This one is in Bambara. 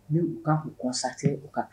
Ni u kan kɔsatɛ u ka kan